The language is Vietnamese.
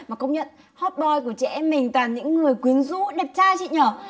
mà công nhận hót boi của chị em mình toàn những người quyến rũ đẹp trai chị nhở